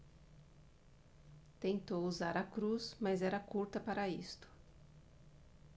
tentou usar a cruz mas era curta para isto